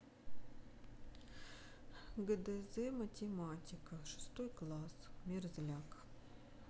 гдз математика шестой класс мерзляк